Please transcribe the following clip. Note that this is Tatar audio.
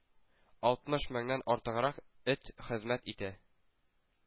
Алтмыш меңнән артыграк эт хезмәт итә.